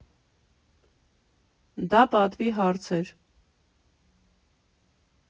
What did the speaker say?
Դա պատվի հարց էր.